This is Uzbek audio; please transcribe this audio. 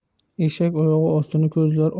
eshak oyog'i ostini ko'zlar